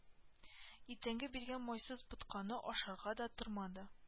Иртәнге биргән майсыз ботканы ашарга да тормады